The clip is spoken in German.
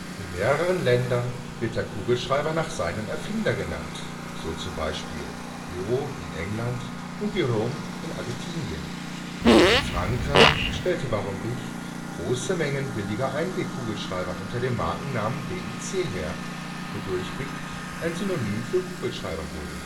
In mehreren Ländern wird der Kugelschreiber nach seinem Erfinder genannt, so z. B. biro in England und birome in Argentinien. In Frankreich stellte Baron Bich große Mengen billiger Einweg-Kugelschreiber unter dem Markennamen BIC her, wodurch bic ein Synonym für Kugelschreiber wurde